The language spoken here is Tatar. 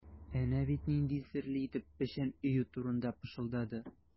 Әнә бит нинди серле итеп печән өю турында пышылдады.